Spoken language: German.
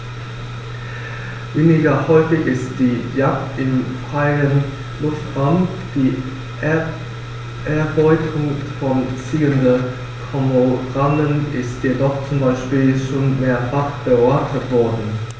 Weniger häufig ist die Jagd im freien Luftraum; die Erbeutung von ziehenden Kormoranen ist jedoch zum Beispiel schon mehrfach beobachtet worden.